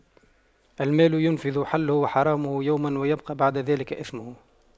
المال ينفد حله وحرامه يوماً ويبقى بعد ذلك إثمه